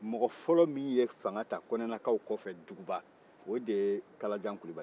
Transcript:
mɔgɔ fɔlɔ min ye fanga ta kɔnɛlakaw kɔfɛ duba o de ye kalajan kulubali ye